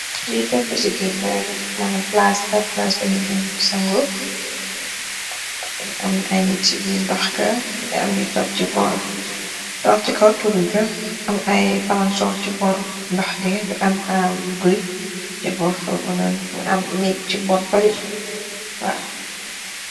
Li tafesi guage la ndox manam plaaz la, plaz bu yu ndem sangu. Am a ñit biir ndoxg ngi am ñi tog ci bor, tog ci kaw tuggga am ay palansor ci bor ndoxge ni , am a güye ci borfa bunu u am negg ci bor bariwar.